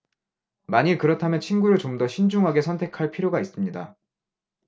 만일 그렇다면 친구를 좀 더 신중하게 선택할 필요가 있습니다